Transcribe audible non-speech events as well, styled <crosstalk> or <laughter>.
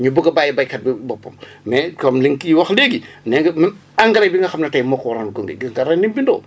ñu bugg a bàyyi béykat bi boppam <breath> mais comme ni kii wax léegi nee nga engrais bi nga xam ne ety moo ko waroon gunge gis nga ren ni mu bindoo